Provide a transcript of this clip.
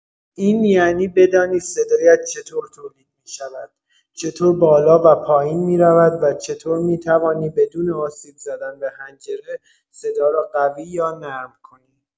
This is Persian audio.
این یعنی بدانی صدایت چطور تولید می‌شود، چطور بالا و پایین می‌رود و چطور می‌توانی بدون آسیب زدن به حنجره، صدا را قوی یا نرم کنی.